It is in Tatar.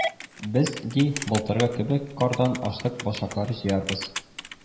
Без, ди, былтыргы кебек кардан ашлык башаклары җыярбыз